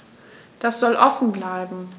Das soll offen bleiben.